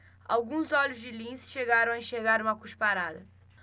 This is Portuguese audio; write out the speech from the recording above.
alguns olhos de lince chegaram a enxergar uma cusparada